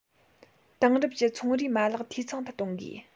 དེང རབས ཀྱི ཚོང རའི མ ལག འཐུས ཚང དུ གཏོང དགོས